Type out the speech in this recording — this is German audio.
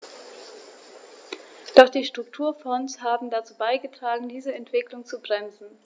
Doch die Strukturfonds haben dazu beigetragen, diese Entwicklung zu bremsen.